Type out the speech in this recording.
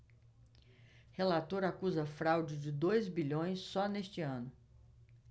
relator acusa fraude de dois bilhões só neste ano